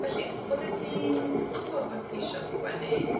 Felly oeddet ti'n gwbod bod ti isio sgwennu?